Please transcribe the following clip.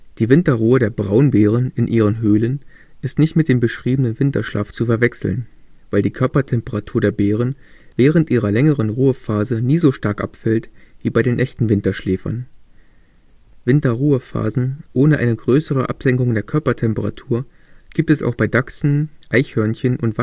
Die Winterruhe der Braunbären in ihren Höhlen ist nicht mit dem beschriebenen Winterschlaf zu verwechseln, weil die Körpertemperatur der Bären während ihrer längeren Ruhephase nie so stark abfällt wie bei den echten Winterschläfern. Winterruhephasen ohne eine größere Absenkung der Körpertemperatur gibt es auch bei Dachsen, Eichhörnchen und